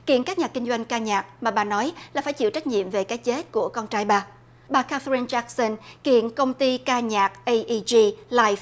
kiện các nhà kinh doanh ca nhạc mà bà nói là phải chịu trách nhiệm về cái chết của con trai bạc bà ca the rơn trách sân kiện công ty ca nhạc ây i gi lai